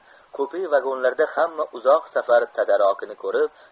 kupe vagonlarda hamma uzoq safar tadorigini ko'rib